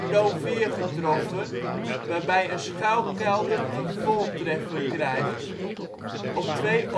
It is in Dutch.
Looveer getroffen, waarbij een schuilkelder een voltreffer krijgt. Op 2 oktober 1944